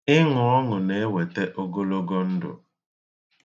Ịnụ ọṅụ na-ewete ogologo ndụ.